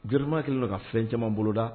Joliuruma kelen don ka fɛn caman boloda